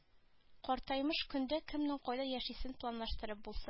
Картаймыш көндә кемнең кайда яшисен планлаштырып булса